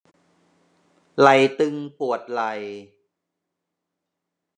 ไหล่ตึงปวดไหล่